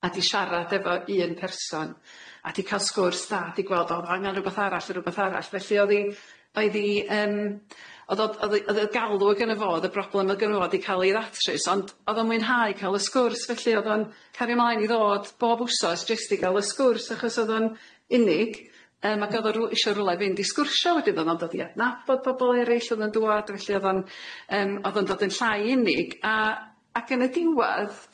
a di siarad efo un person a di ca'l sgwrs dda di gweld o o'dd angan rwbath arall a rwbath arall felly o'dd i oedd i yym o'dd o o'dd i o'dd y galw gynna fo o'dd y broblem gynna fo di ca'l ei ddatrys ond o'dd o'n mwynhau ca'l y sgwrs felly o'dd o'n cario mlaen i ddod bob wsos jyst i ga'l y sgwrs achos o'dd o'n unig yym ag o'dd o rw- isio rwla i fynd i sgwrsho wedyn o'dd o'n dod i adnabod pobol eryll o'dd yn dŵad felly o'dd o'n yym o'dd o'n dod yn llai unig a ac yn y diwadd